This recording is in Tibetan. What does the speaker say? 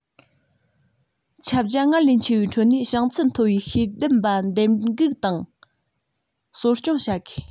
ཁྱབ རྒྱ སྔར ལས ཆེ བའི ཁྲོད ནས བྱང ཚད མཐོ བའི ཤེས ལྡན པ འདེམས སྒྲུག དང གསོ སྐྱོང བྱ དགོས